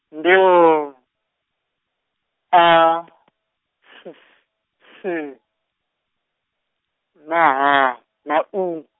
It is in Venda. ndi W, A , S, S na H na U.